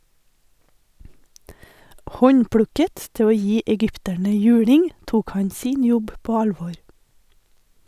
Håndplukket til å gi egypterne juling, tok han sin jobb på alvor.